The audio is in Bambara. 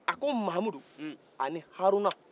a ko mamudu ani haruna